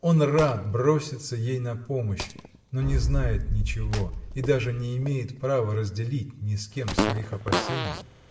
Он рад броситься ей на помощь, но не знает ничего и даже не имеет права разделить ни с кем своих опасений.